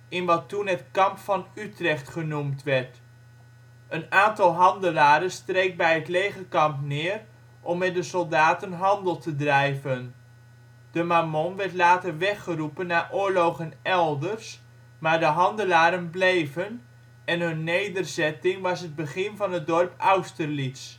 in wat toen het Kamp van Utrecht genoemd werd. Een aantal handelaren streek bij het legerkamp neer om met de soldaten handel te drijven. De Marmont werd later weggeroepen naar oorlogen elders, maar de handelaren bleven, en hun nederzetting was het begin van het dorp Austerlitz